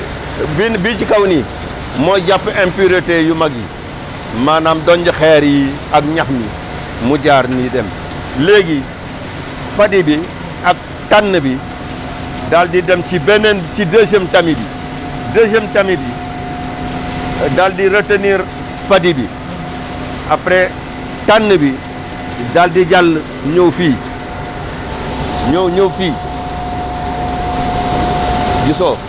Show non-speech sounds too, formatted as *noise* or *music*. benn bi bii bii ci kaw nii mooy jàpp impureté yu mag yi maanaam donj xeer yi ak ñax mi mu jaar nii dem léegi padi bi ak tànn bi daal di dem ci beneen ci deuxième tamis bi deuxième tamis bi deuxième tamis bi daal di retenir padi bi après tànn bi daal di jàll ñëw fii *noise* ñëw ñëw fii *noise*